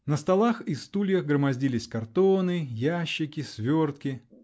На столах и стульях громоздились картоны, ящики, свертки.